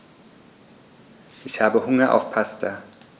Ich habe Hunger auf Pasta.